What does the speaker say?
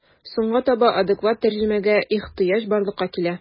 Соңга таба адекват тәрҗемәгә ихҗыяҗ барлыкка килә.